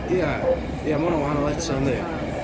Ia, ia ma' hwnna'n wahanol eto, yndi?